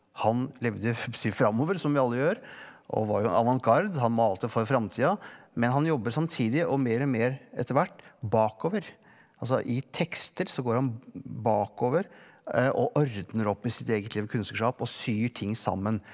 han levde si framover som vi alle gjør og var jo en avantgarde han malte for framtida men han jobber samtidig og mer og mer etterhvert bakover altså i tekster så går han bakover og ordner opp i sitt eget liv og kunstnerskap og syr ting sammen.